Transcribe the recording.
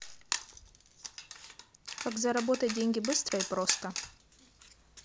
как заработать деньги быстро и просто